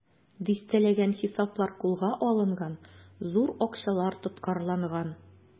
Дистәләгән хисаплар кулга алынган, зур акчалар тоткарланган.